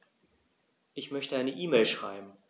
Ich möchte eine E-Mail schreiben.